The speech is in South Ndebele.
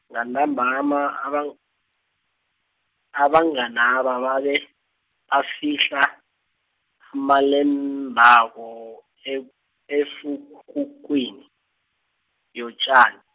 ngantambama abang-, abanganaba babe, bafihla, amalembabo eb- efukufukwini, yotjani.